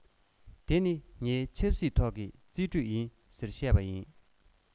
དེ ནི ངའི ཆབ སྲིད ཐོག གི རྩིས སྤྲོད ཡིན ཟེར བཤད པ ཡིན